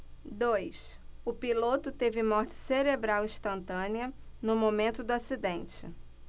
dois o piloto teve morte cerebral instantânea no momento do acidente